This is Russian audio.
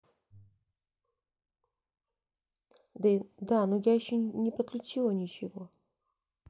да но я еще не подключила ничего